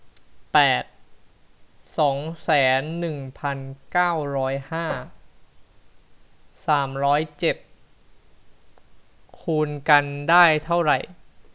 แปดสองแสนหนึ่งพันเก้าร้อยห้าสามร้อยเจ็ดคูณกันได้เท่าไหร่